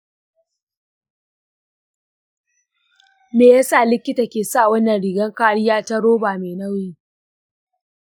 me ya sa likita ke sa wannan rigar kariya ta roba mai nauyi?